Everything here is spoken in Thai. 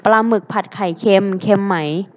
ปลาหมึกผัดไข่เค็มเค็มไหม